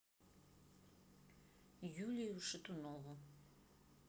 юлию шатунову